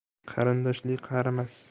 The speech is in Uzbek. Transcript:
qarindoshli qarimas